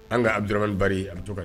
An ka Abdramane Barry a be to ka n